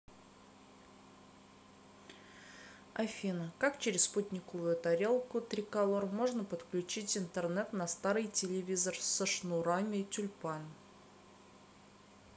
афина как через спутниковую тарелку триколор можно подключить интернет на старый телевизор со шнурами тюльпан